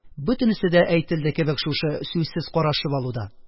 Бөтенесе дә әйтелде кебек шушы сүзсез карашып алуда